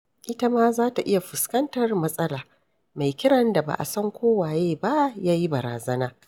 Ita ma za ta iya fuskantar matsala, mai kiran da ba a san ko waye ba ya yi baraza.